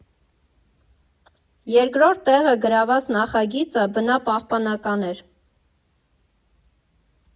Երկրորդ տեղը գրաված նախագիծը բնապահպանական էր.